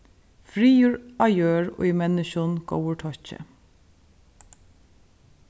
friður á jørð og í menniskjum góður tokki